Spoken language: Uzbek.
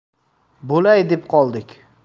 bo'lay deb qoldik